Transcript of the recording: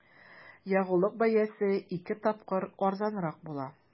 Ягулык бәясе ике тапкыр арзанрак була.